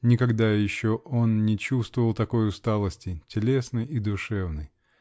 Никогда еще он не чувствовал такой усталости -- телесной и душевной.